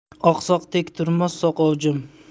oqsoq tek turmas soqov jim